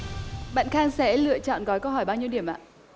bạn khang sẽ lựa chọn gói câu hỏi bao nhiêu điểm ạ